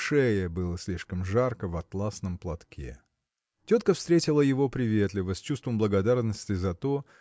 шее было слишком жарко в атласном платке. Тетка встретила его приветливо с чувством благодарности за то